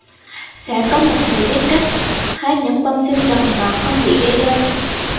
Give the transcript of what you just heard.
sẽ có một người biết cách hái những bông xương rồng mà không bị gai đâm